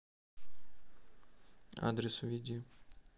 адрес введи